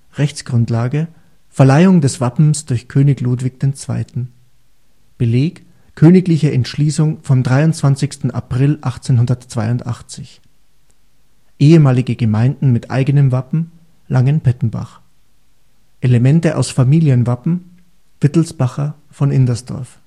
Rechtsgrundlage: Verleihung des Wappens durch König Ludwig II.; Beleg: Königliche Entschließung vom 23. April 1882; Ehemalige Gemeinden mit eigenem Wappen: Langenpettenbach; Elemente aus Familienwappen: Wittelsbacher, von Indersdorf